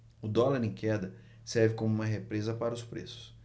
o dólar em queda serve como uma represa para os preços